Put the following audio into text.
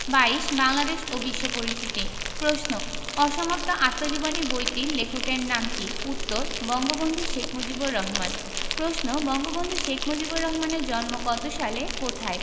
২২ বাংলাদেশ ও বিশ্ব পরিচিতি প্রশ্ন অসমাপ্ত আত্মজীবনী বইটির লেখকের নাম কী উত্তর বঙ্গবন্ধু শেখ মুজিবুর রহমান প্রশ্ন বঙ্গবন্ধু শেখ মুজিবুর রহমানের জন্ম কত সালে কোথায়